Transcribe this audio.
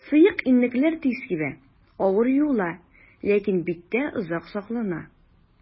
Сыек иннекләр тиз кибә, авыр юыла, ләкин биттә озак саклана.